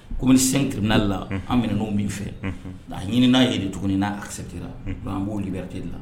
Kɔmi senkiriinali la an minɛ n'o min fɛ ɲini n'a ye de tuguni n'a asɛ tɛ la an b'olibi wɛrɛte la